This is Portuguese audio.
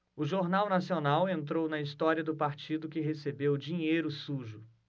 o jornal nacional entrou na história do partido que recebeu dinheiro sujo